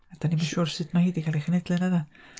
A dan ni'm yn siŵr sut ma' hi 'di cael ei chenhedlu, na 'dan.